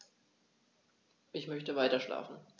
Ich möchte weiterschlafen.